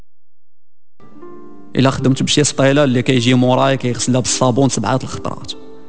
الخدم تبسيطها يلا اللي تيجي مو رايك في الصابون سبعه الخبرات